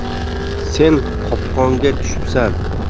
sen qopqonga tushibsan